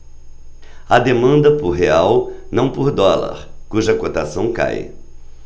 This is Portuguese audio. há demanda por real não por dólar cuja cotação cai